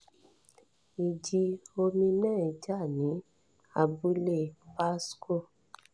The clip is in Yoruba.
Ìjì omi náà jà ní abúlé Pasco.